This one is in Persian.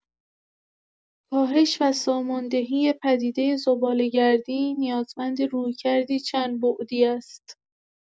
کاهش و سامان‌دهی پدیده زباله‌گردی نیازمند رویکردی چندبعدی است: